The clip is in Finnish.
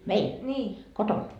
meillä kotona